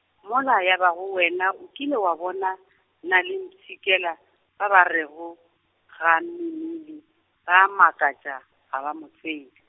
mola ya bago wena o kile wa bona, na le mpshikela, ba ba rego, ga memile, ba makatša, ga ba mo tsebe.